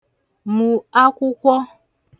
mụ̀ akwụkwọ